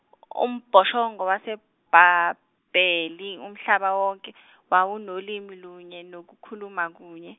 umbhoshongo waseBhabhele Umhlaba wonke , wawunolimi lunye nokukhuluma kunye.